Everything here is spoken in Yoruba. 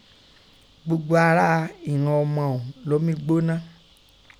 Gbogbo ara ìghọn ọmọ ọ̀ún lọ́ mí gbóná.